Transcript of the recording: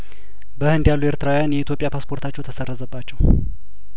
በህንድ ያሉ ኤርትራውያን የኢትዮጵያ ፓስፖርታቸው ተሰረዘባቸው